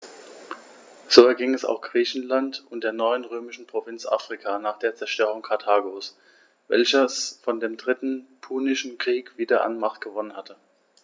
So erging es auch Griechenland und der neuen römischen Provinz Afrika nach der Zerstörung Karthagos, welches vor dem Dritten Punischen Krieg wieder an Macht gewonnen hatte.